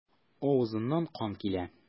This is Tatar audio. Авызыннан кан килә.